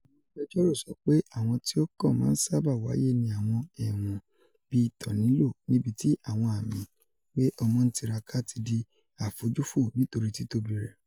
Awọn agbẹjọro sọ pe awọn ti o kan maa n saba waye ni awọn ẹwọn bii Tornillo, nibi ti awọn ami pe ọmọ n tiraka ti di afojufo, nitori titobi rẹ.